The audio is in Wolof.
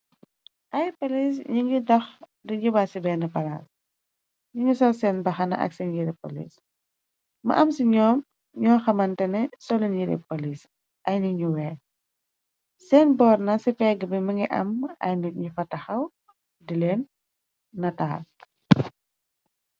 Ay polis ñi ngi dox di jëba ci benn paras, ñu ngi sol seen baxana ak seen yere polis, ma am ci ñoom ñoo xamantene solini yere polis ay nu ñu weex, seen boor na ci fegg bi mëngi am ay nit ñi fa taxaw di leen nataal.